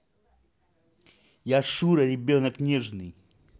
я шура ребенок нежный